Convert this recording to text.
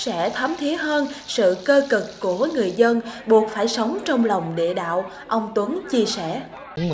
sẽ thấm thía hơn sự cơ cực của người dân buộc phải sống trong lòng địa đạo ông tuấn chia sẻ